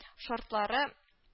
Шартлары